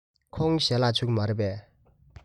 ཁོང ཁ ལག མཆོད ཀྱི མ རེད པས